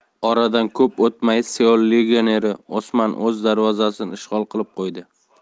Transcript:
oradan ko'p o'tmay seul legioneri osmar o'z darvozasini ishg'ol qilib qo'ydi